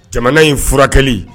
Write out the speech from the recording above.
Jamana in furakɛ li.